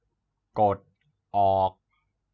กดออก